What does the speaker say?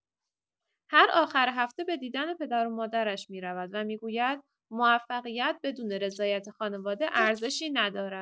هر آخر هفته به دیدن پدر و مادرش می‌رود و می‌گوید موفقیت بدون رضایت خانواده ارزشی ندارد.